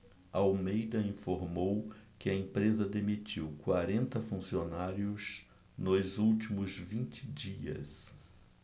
almeida informou que a empresa demitiu quarenta funcionários nos últimos vinte dias